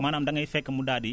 maanaam da ngay fekk mu daa di